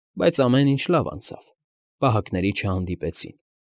Բայց ամեն ինչ լավ անցավ, պահակների չհանդիպեցին։